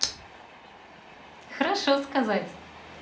хорошо сказать